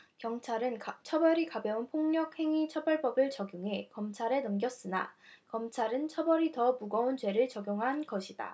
경찰은 처벌이 가벼운 폭력행위처벌법을 적용해 검찰에 넘겼으나 검찰은 처벌이 더 무거운 죄를 적용한 것이다